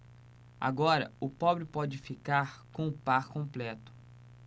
agora o pobre pode ficar com o par completo